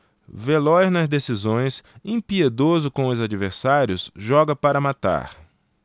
veloz nas decisões impiedoso com os adversários joga para matar